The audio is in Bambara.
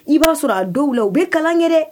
I b'a sɔrɔ a don la u bɛ kalan ye dɛ